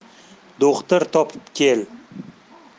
do'xtir topib kel